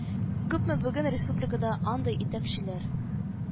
Күпме бүген республикада андый итәкчеләр